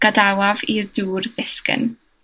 dadawaf i'r dŵr ddisgyn.